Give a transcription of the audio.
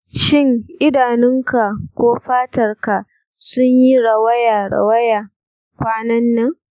shin idanunka ko fatarka sun yi rawaya-rawaya kwanan nan?